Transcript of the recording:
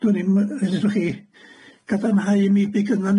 Dwn i'm yy 'llwch chi gadarnhau i mi bu gynnon